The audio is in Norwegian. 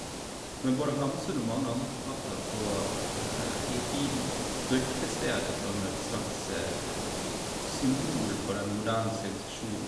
Men både Hamsun og mange andre forfattere på i tiden brukte stedet som et slags symbol for den moderne sivilasjonen.